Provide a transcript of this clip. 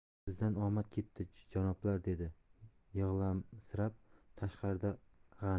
bizdan omad ketdi janoblar dedi yig'lamsirab tashqarida g'anim